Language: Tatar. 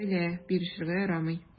Белә: бирешергә ярамый.